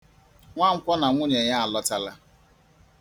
Nwankwọ na nwunye ya alọtala.